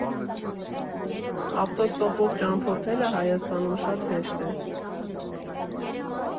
Ավտոստոպով ճամփորդելը Հայաստանում շատ հեշտ է։